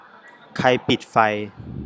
ใครปิดไฟ